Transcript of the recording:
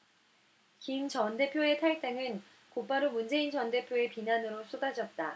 김 전 대표의 탈당은 곧바로 문재인 전 대표의 비난으로 쏟아졌다